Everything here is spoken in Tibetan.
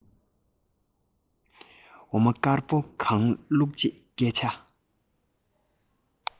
འོ མ དཀར པོ གང བླུགས རྗེས སྐད ཆ